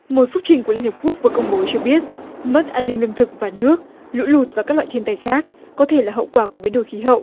một phúc trình của liên hiệp quốc vừa công bố cho biết mất an ninh lương thực và nước lũ lụt và các loại hiên tai khác có thể là hậu quả của biến đổi khí hậu